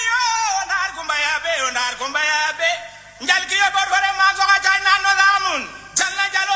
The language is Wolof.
waaw effectivement xam nga suuf tamit parce que boo xoolee surtout dafa am suuf yoo xam ne